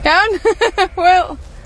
Iawn hwyl.